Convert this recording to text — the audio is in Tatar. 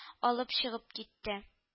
Алып чыгып китте